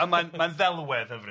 A mae'n mae'n ddelwedd hyfryd.